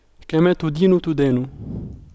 كما تدين تدان